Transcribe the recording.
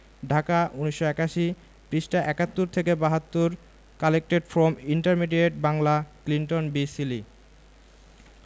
ঢাকা ১৯৮১ পৃষ্ঠাঃ ৭১ থেকে ৭২ collected from intermediate Bangla Clinton B Seely